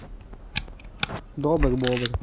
добр бобр